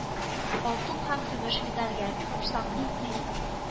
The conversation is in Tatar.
Алтын һәм көмеш медальгә, күпсанлы